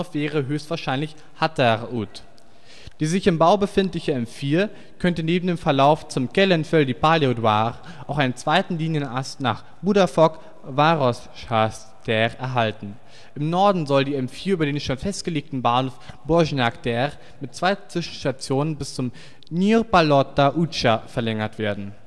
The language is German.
wäre höchstwahrscheinlich Határ út. Die sich im Bau befindliche M4 könnte neben dem Verlauf zum Kelenföldi pályaudvar auch einen zweiten Linienast nach Budafok, Városház tér erhalten. Im Norden soll die M4 über den schon festgelegten Bahnhof Bosnyák tér mit zwei Zwischenstationen bis zur Nyírpalota utca verlängert werden